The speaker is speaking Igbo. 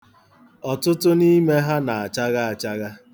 Ọtụtụ n'ime ha na-achagha achagha